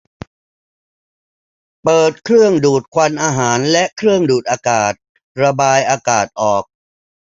เปิดเครื่องดูดควันอาหารและเครื่องดูดอากาศระบายอากาศออก